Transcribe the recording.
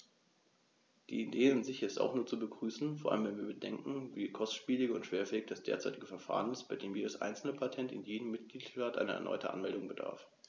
Die Idee an sich ist nur zu begrüßen, vor allem wenn wir bedenken, wie kostspielig und schwerfällig das derzeitige Verfahren ist, bei dem jedes einzelne Patent in jedem Mitgliedstaat einer erneuten Anmeldung bedarf.